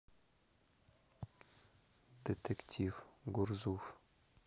детектив гурзуф